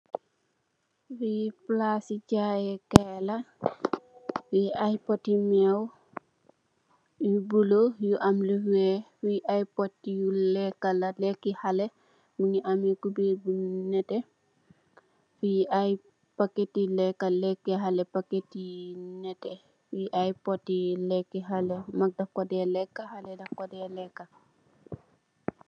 Lii plassi jaayeh kaii la, bii aiiy poti mewww yu bleu yu am lu wekh, bii aiiy pot yu lehkah la, lehki haleh, mungy ameh couberre bu nehteh, fii aiiy packeti lehkah lehki haleh packeti nehteh, fii aiiy poti lehki haleh, mak daf kor dae lehkah, haleh daf kor dae lehkah.